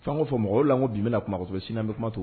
Fɛn fɔ mɔgɔ go bi bɛnana kuma to sinian bɛ kuma to